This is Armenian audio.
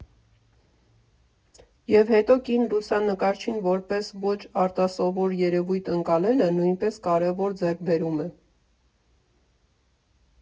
֊ Եվ հետո կին լուսանկարչին՝ որպես ոչ արտասովոր երևույթ ընկալելը նույնպես կարևոր ձեռքբերում է։